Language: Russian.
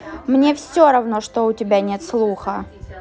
мне все равно что у тебя нет слуха